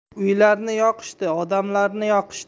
uylarni yoqishdi odamlarni yoqishdi